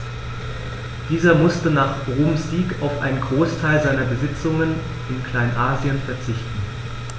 Dieser musste nach Roms Sieg auf einen Großteil seiner Besitzungen in Kleinasien verzichten.